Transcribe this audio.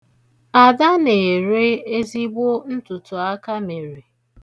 Ada na-ere ezigbo ntụtụakamere.